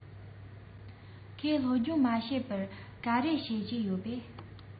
ཁོས སློབ སྦྱོང མ བྱས པར ག རེ བྱེད ཀྱི ཡོད རས